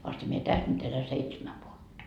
vasta minä tässä nyt elän seitsemän vuotta